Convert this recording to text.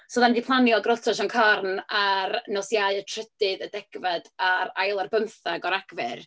So oedden ni 'di planio groto Sion Corn ar nos Iau y trydydd, y degfed a'r ail ar bymtheg o Ragfyr.